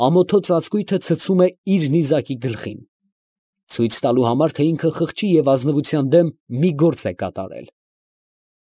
Ամոթո ծածկույթը ցցում է իր նիզակի գլխին, ցույը տալու համար, թե ինքը խղճի և ազնվության դեմ մի գործ է կատարել…։